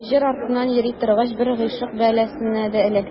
Җыр артыннан йөри торгач, бер гыйшык бәласенә дә эләктем.